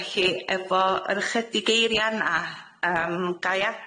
Felly efo yr ychydig eiria yna yym ga'i agor